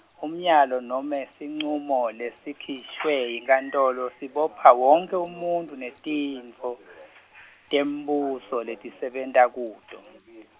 umyalo nome sincumo lesikhishwe yinkantolo sibopha wonkhe umuntfu netintfo , tembuso lesisebenta kuto.